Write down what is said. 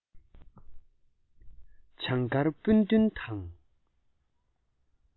བྱང སྐར སྤུན བདུན དང